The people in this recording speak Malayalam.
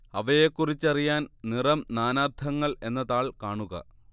അവയെക്കുറിച്ചറിയാൻ നിറം നാനാർത്ഥങ്ങൾ എന്ന താൾ കാണുക